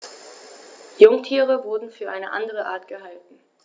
Jungtiere wurden für eine andere Art gehalten.